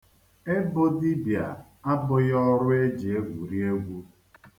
Ịbụ dibịa abụghị ọrụ e ji egwuri egwu.